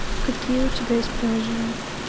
какие у тебя есть приложения